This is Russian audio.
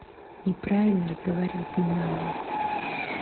неправильно разговаривать не надо